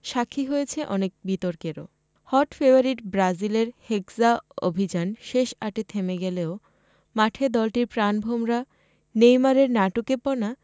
সাক্ষী হয়েছে অনেক বিতর্কেরও হট ফেভারিট ব্রাজিলের হেক্সা অভিযান শেষ আটে থেমে গেলেও মাঠে দলটির প্রাণভোমরা নেইমারের নাটুকেপনা